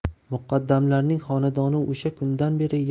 muqaddamlarning xonadoni o'sha kundan beri